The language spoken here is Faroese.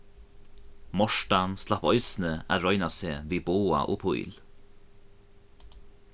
mortan slapp eisini at royna seg við boga og píl